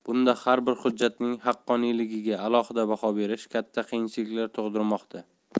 bunda har bir hujjatning haqqoniyligiga alohida baho berish katta qiyinchiliklar tug'dirmoqda